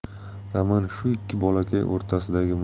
roman shu ikki bolakay o'rtasidagi